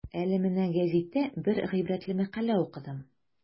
Әле менә гәзиттә бер гыйбрәтле мәкалә укыдым.